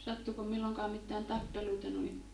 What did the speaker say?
sattuiko milloinkaan mitään tappeluita noin